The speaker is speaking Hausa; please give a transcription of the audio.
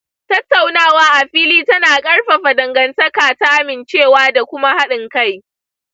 tattaunawa a fili tana ƙarfafa dangantaka ta amincewa da kuma haɗin kai.